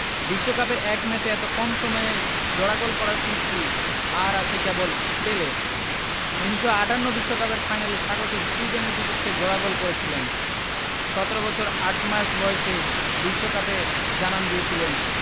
বিশ্বকাপের এক ম্যাচে এত কম বয়সে জোড়া গোল করার কীর্তি আর আছে কেবল পেলের ১৯৫৮ বিশ্বকাপের ফাইনালে স্বাগতিক সুইডেনের বিপক্ষে জোড়া গোল করেছিলেন ১৭ বছর ৮ মাস বয়সে বিশ্বকাপে জানান দিয়েছিলেন